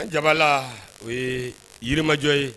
Jabaala o ye yirimajɔ ye